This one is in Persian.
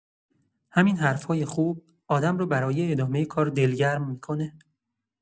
همین حرف‌های خوب آدم رو برای ادامه کار دلگرم می‌کنه.